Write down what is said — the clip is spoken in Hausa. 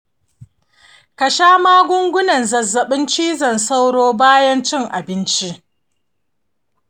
ka sha magungunan zazzabin cizon sauro bayan cin abinci